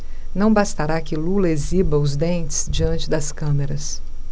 não bastará que lula exiba os dentes diante das câmeras